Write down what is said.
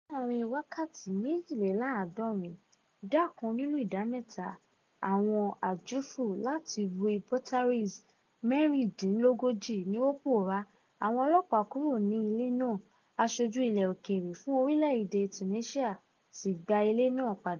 Láàárín wákàtí 72, ìdá kan nínú ìdá mẹ́ta àwọn àjúfù láti rue Botzaris 36 ni ó pòórá, àwọn ọlọ́pàá kúrò ní ilé náà aṣojú ilẹ̀ òkèèrè fún orílẹ̀ èdè (Tunisia) sì gba ilé náà padà.